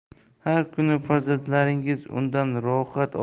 har kuni farzandlaringiz undan